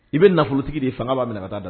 I bɛ nafolotigi de ye fanga b'a minɛ ka taa da